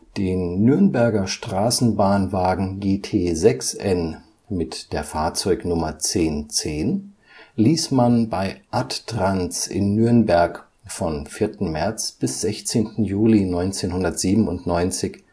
Den Nürnberger Straßenbahnwagen GT6N mit der Fahrzeugnummer 1010 ließ man bei Adtranz in Nürnberg vom 4. März bis 16. Juli 1997